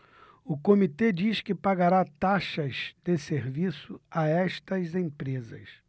o comitê diz que pagará taxas de serviço a estas empresas